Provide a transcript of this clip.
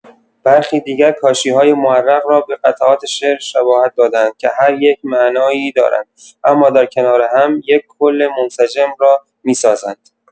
برخی دیگر کاشی‌های معرق را به قطعات شعر شباهت داده‌اند که هر یک معنایی دارند اما در کنار هم، یک کل منسجم را می‌سازند.